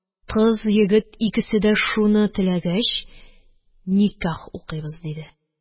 Кыз, егет икесе дә шуны теләгәч, никях укыймыз, – диде